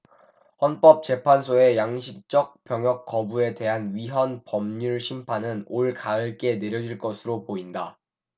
헌법재판소의 양심적 병역거부에 대한 위헌 법률심판은 올가을께 내려질 것으로 보인다